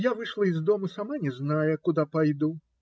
Я вышла из дому, сама не зная, куда пойду.